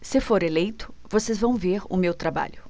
se for eleito vocês vão ver o meu trabalho